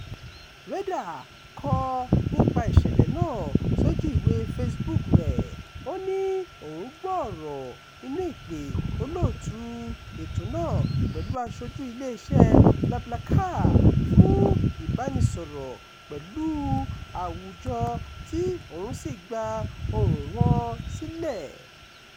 Reyder kọ nípa ìṣẹ̀lẹ̀ náà sójú ìwé Facebook rẹ̀. Ó ní òun gbọ́ ọ̀rọ̀ inú ìpè olóòtú ètò náà pẹ̀lú aṣojú ilé iṣẹ́ BlaBlaCar fún ìbánisọ̀rọ̀ pẹ̀lú àwùjọ tí òun sì gba ohùn-un wọn sílẹ̀: